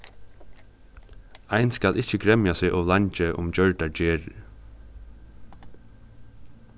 ein skal ikki gremja seg ov leingi um gjørdar gerðir